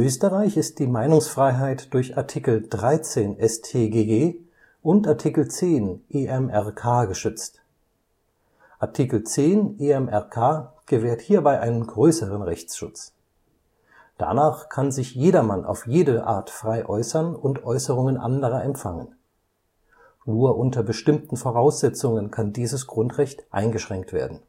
Österreich ist die Meinungsfreiheit durch Art. 13 StGG und Art. 10 EMRK geschützt. Art. 10 EMRK gewährt hierbei einen größeren Rechtsschutz. Danach kann sich jedermann auf jede Art frei äußern und Äußerungen anderer empfangen. Nur unter bestimmten Voraussetzungen kann dieses Grundrecht eingeschränkt werden